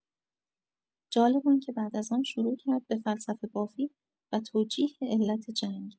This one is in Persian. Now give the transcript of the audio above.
جالب آنکه بعد از آن شروع کرد به فلسفه‌بافی و توجیه علت جنگ